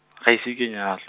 ga ise ke nyala.